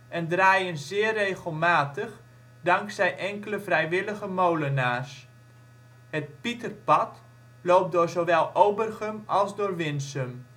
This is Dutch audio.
en draaien zeer regelmatig dankzij enkele vrijwillige molenaars. Het Pieterpad loopt door zowel Obergum als door Winsum